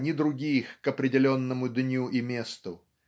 ни других к определенному дню и месту